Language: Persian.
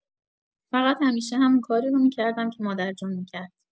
فقط همیشه همون کاری رو می‌کردم که مادرجون می‌کرد.